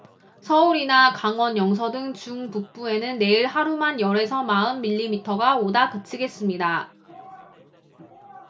서울이나 강원 영서 등 중북부에는 내일 하루만 열 에서 마흔 밀리미터가 오다 그치겠습니다